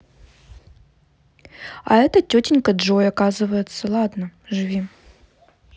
а это тетенька джой оказывается ну ладно живи